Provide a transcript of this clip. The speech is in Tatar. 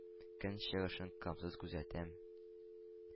Көн чыгышын комсыз күзәтәм.